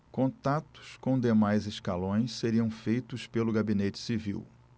contatos com demais escalões seriam feitos pelo gabinete civil